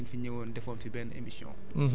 lañ fi ñëwoon defoon fi benn émission